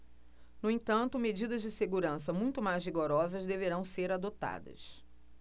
no entanto medidas de segurança muito mais rigorosas deverão ser adotadas